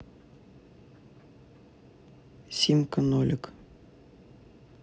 симка нолик